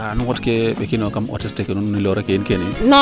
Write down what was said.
mba nu ngot ke mbekinoyo kam hotesse ke nuun nuloore ke yiin keene yiin